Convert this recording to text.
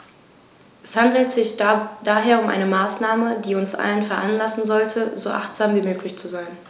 Es handelt sich daher um eine Maßnahme, die uns alle veranlassen sollte, so achtsam wie möglich zu sein.